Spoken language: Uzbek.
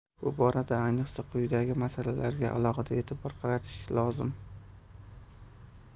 bu borada ayniqsa quyidagi masalalarga alohida e'tibor qaratish lozim